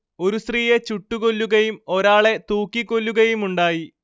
ഒരു സ്ത്രീയെ ചുട്ടുകൊല്ലുകയും ഒരാളെ തൂക്കിക്കൊല്ലുകയുമുണ്ടായി